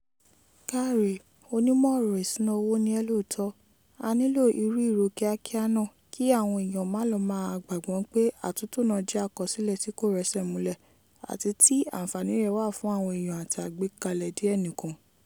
Káre, onímọ̀ ọ̀rọ̀ ìṣúná owó ni ẹ́ lóòótọ́, a nílò irú ìró kíákíá náà kí àwọn eèyàn má lọ máà gbàgbọ́ pé àtúntò nàá jẹ́ àkọsílẹ̀ tí kò rẹ́sẹ̀ múlẹ̀ àti tí àǹfààní rẹ̀ wá fún àwọn eèyàn àti àgbékalẹ̀ díẹ̀ nìkan.